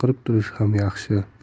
baqirib turishi ham yaxshi